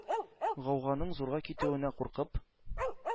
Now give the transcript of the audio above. Гауганың зурга китүеннән куркып,